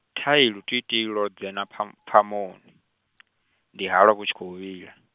thai lutiitii lwo dzhena pfam- pfamoni, ndi halwa vhu tshi khou vhila.